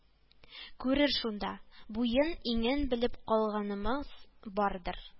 Күрер шунда: буен-иңен белеп калганымыз бардыр